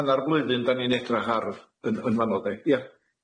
Hannar blwyddyn 'dan ni'n edrych ar yn yn fanno 'de.